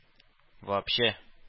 Вообще